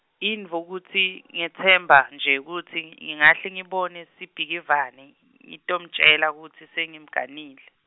intfo kutsi, ngetsemba, nje kutsi, ngingahle ngibone Sibhikivane, ngitomtjela kutsi sengimganile.